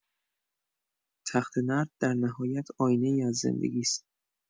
تخته‌نرد در نهایت، آینه‌ای از زندگی است.